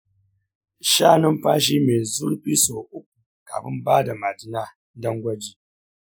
sha numfashi mai zurfi sau uku kafin bada majina don gwaji.